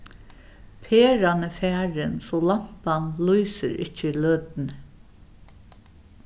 peran er farin so lampan lýsir ikki í løtuni